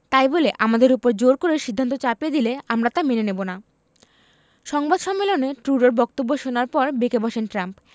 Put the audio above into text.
তাই বলে আমাদের ওপর জোর করে সিদ্ধান্ত চাপিয়ে দিলে আমরা তা মেনে নেব না সংবাদ সম্মেলনে ট্রুডোর বক্তব্য শোনার পর বেঁকে বসেন ট্রাম্প